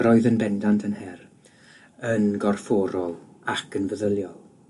Roedd yn bendant yn her yn gorfforol ac yn feddyliol.